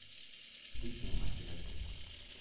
— дип, миңа төбәлде.